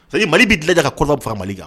Sabu mali bɛi bila ka kɔmaura mali kan